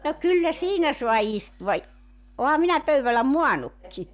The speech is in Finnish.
no kyllä siinä saa istua - olenhan minä pöydällä maannutkin